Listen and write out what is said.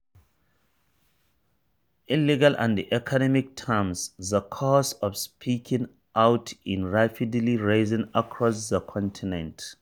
In legal and economic terms, the cost of speaking out is rapidly rising across the continent.